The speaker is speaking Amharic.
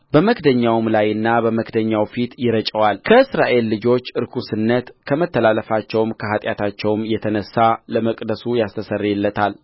በመክደኛውም ላይና በመክደኛውም ፊት ይረጨዋልከእስራኤል ልጆች ርኵስነት ከመተላለፋቸውም ከኃጢአታቸውም የተነሣ ለመቅደሱ ያስተሰርይለታል